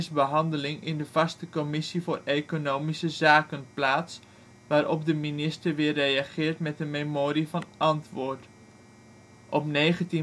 behandeling in de vaste commissie voor Economische Zaken plaats, waarop de minister weer reageert met een Memorie van antwoord. Op 19 maart 1996 vindt